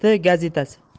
san ati gazetasi